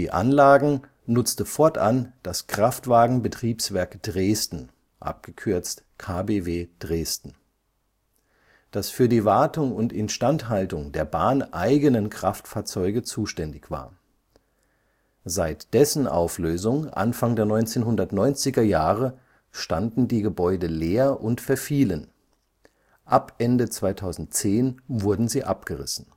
Anlagen nutzte fortan das Kraftwagenbetriebswerk Dresden (Kbw Dresden), das für die Wartung und Instandhaltung der bahneigenen Kraftfahrzeuge zuständig war. Seit dessen Auflösung Anfang der 1990er Jahre standen die Gebäude leer und verfielen; ab Ende 2010 wurden sie abgerissen